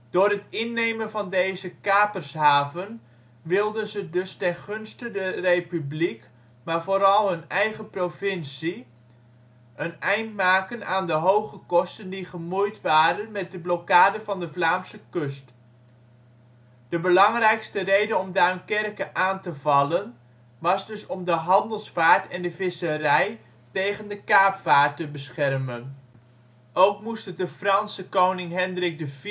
Door het innemen van deze kapershaven wilden ze dus ten gunste de Republiek, maar vooral hun eigen provincie, een eind maken aan de hoge kosten die gemoeid waren met de blokkade van de Vlaamse kust. De belangrijkste reden om Duinkerke aan te vallen was dus om de handelsvaart en de visserij tegen de kaapvaart te beschermen. Ook moest het de Franse koning Hendrik IV